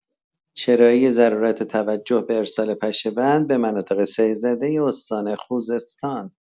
چرایی ضرورت توجه به ارسال پشه‌بند به مناطق سیل‌زده استان خوزستان.